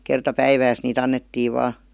kerta päivässä niitä annettiin vain